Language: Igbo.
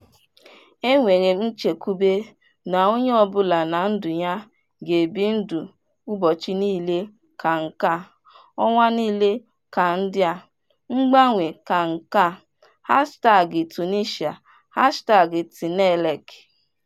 Enwere m nchekwube na onye ọbụla na ndụ ya, ga-ebi ndụ ụbọchị niile ka nke a, ọnwa niile ka ndị a, mgbanwe ka nke a #tunisia #tnelec